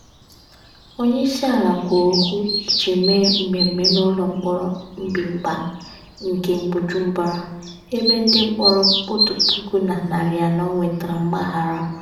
Onyeisiala kwuru okwu iji mee mmemme n'ụlọ mkpọrọ Mpimba nke Bujumbura, ebe ndị mkpọrọ 1,400 nwetara mgbaghara.